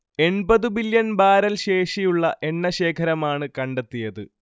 എൺപതു billion barrel ശേഷിയുള്ള എണ്ണശേഖരമാണ് കണ്ടെത്തിയത്